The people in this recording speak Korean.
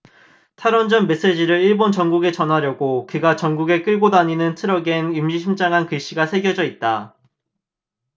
탈원전 메시지를 일본 전국에 전하려고 그가 전국에 끌고 다니는 트럭엔 의미심장한 글자가 새겨져 있다